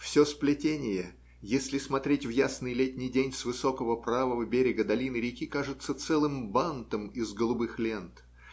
все сплетение, если смотреть в ясный летний день с высокого правого берега долины реки, кажется целым бантом из голубых лент.